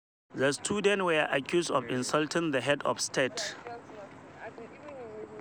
The students were accused of "insulting the head of state."